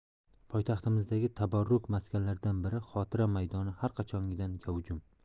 poytaxtimizdagi tabarruk maskanlardan biri xotira maydoni har qachongidan gavjum